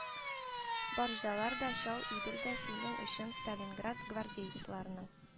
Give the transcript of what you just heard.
Баржалар да, чал идел дә синең өчен, сталинград, гвардеецларның